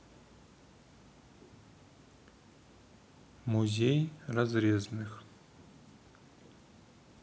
музей разрезных